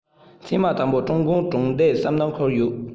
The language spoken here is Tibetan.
ཚང མ དང པོ ཀྲུང གོན གྲོང སྡེ བསམ བློར འཁོར ཡོད